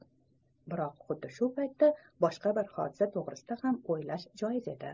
biroq xuddi shu paytda boshqa bir hodisa to'g'risida ham o'ylash joiz edi